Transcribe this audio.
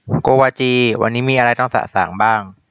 โกวาจีวันนี้มีอะไรต้องสะสางบ้าง